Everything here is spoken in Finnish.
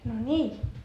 no niin